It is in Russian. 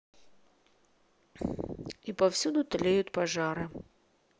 и повсюду тлеют пожары